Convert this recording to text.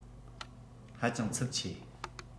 ཧ ཅང འཚུབ ཆེ